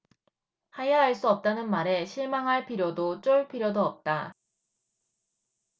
하야할 수 없다는 말에 실망할 필요도 쫄 필요도 없다